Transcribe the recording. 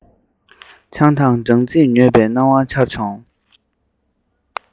ཆང དང སྦྲང རྩིས མྱོས པའི སྣང བ འཆར བྱུང